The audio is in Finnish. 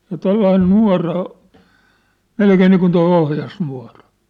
ja tuollainen nuora - melkein niin kuin tuo ohjasnuora